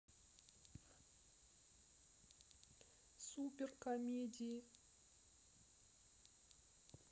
супер комедии